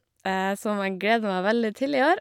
Som jeg gleder meg veldig til i år.